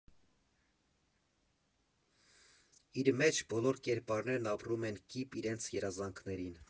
Իր մեջ բոլոր կերպարներն ապրում են կիպ իրենց երազանքներին։